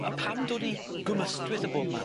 A pam dod i Gwm Ystwyth o bobman?